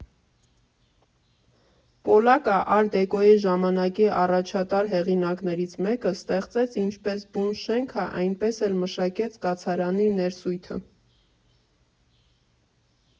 Պոլակը՝ ար֊դեկոյի՝ ժամանակի առաջատար հեղինակներից մեկը, ստեղծեց ինչպես բուն շենքը, այնպես էլ մշակեց կացարանի ներսույթը.